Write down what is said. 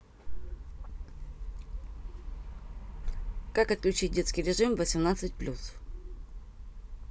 как отключить детский режим восемнадцать плюс